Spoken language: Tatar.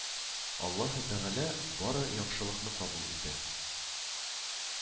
Аллаһы Тәгалә бары яхшылыкны кабул итә